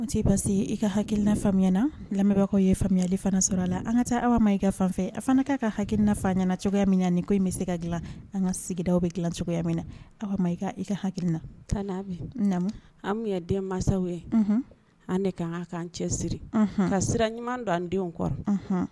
N t' basi se i ka hakiina fa na lamɛnbagawkaw ye fa faamuyayalifana sɔrɔ a la an ka taa aw ma i ka fanfɛ a fana k'a ka hakilikiina fa ɲɛnaana cogoyaya min na nin ko in bɛ se ka dila an ka sigida bɛ dilan cogoyaya min na aw i ka ha na bi an den mansasaw ye an de ka ka'an cɛ siri ka sira ɲuman don an denw kɔrɔ